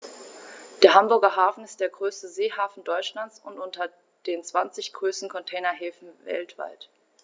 Der Hamburger Hafen ist der größte Seehafen Deutschlands und unter den zwanzig größten Containerhäfen weltweit.